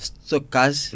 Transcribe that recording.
stokase